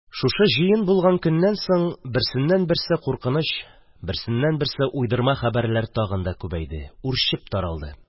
Шушы җыен булган көннән соң берсеннән-берсе куркыныч, берсеннән-берсе уйдырма хәбәрләр тагы да күбәйде, үрчеп таралды.